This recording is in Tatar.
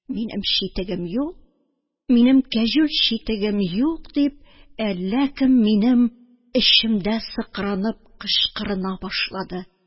«минем читегем юк, минем кәҗүл читегем юк», – дип, әллә кем минем эчемдә сыкранып кычкырына башлады